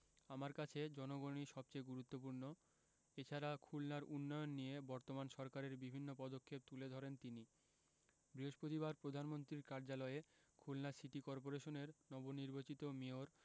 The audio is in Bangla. আমার কাছে জনগণই সবচেয়ে গুরুত্বপূর্ণ এছাড়া খুলনার উন্নয়ন নিয়ে বর্তমান সরকারের বিভিন্ন পদক্ষেপ তুলে ধরেন তিনি বৃহস্পতিবার প্রধানমন্ত্রীর কার্যালয়ে খুলনা সিটি কর্পোরেশনের নবনির্বাচিত মেয়র